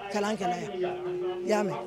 Kalan kala yan i y'a mɛn